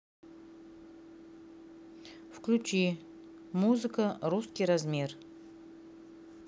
включи музыка русский размер